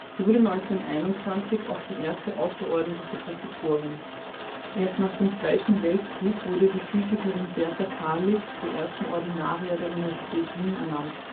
sie wurde 1921 auch die erste außerordentliche Professorin. Erst nach dem Zweiten Weltkrieg wurde die Physikerin Berta Karlik zur ersten Ordinaria der Universität Wien ernannt